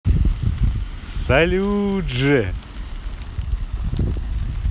салют ж